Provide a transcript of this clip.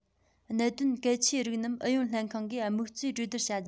གནད དོན གལ ཆེ རིགས རྣམས ཨུ ཡོན ལྷན ཁང གིས དམངས གཙོས གྲོས བསྡུར བྱ རྒྱུ